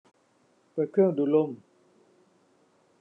เปิดเครื่องดูดลม